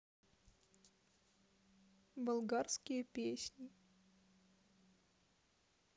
болгарские песни